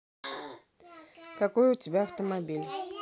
какой у тебя автомобиль